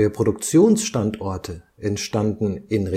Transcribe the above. Produktionsstandorte entstanden in